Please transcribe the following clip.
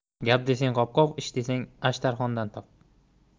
gap desang qop qop ish desang ashtarxondan top